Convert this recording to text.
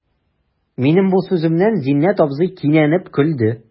Минем бу сүземнән Зиннәт абзый кинәнеп көлде.